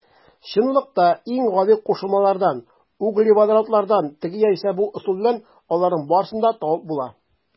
Чынлыкта иң гади кушылмалардан - углеводородлардан теге яисә бу ысул белән аларның барысын да табып була.